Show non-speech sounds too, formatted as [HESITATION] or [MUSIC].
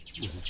[HESITATION] [HESITATION]